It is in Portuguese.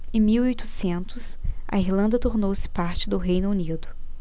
em mil e oitocentos a irlanda tornou-se parte do reino unido